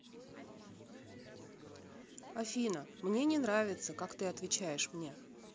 афина мне не нравится как ты отвечаешь мне